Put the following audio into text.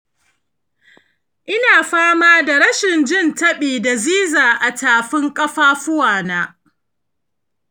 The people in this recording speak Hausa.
ina fama da rashin jin taɓi da ziza a tafin ƙafafuwana.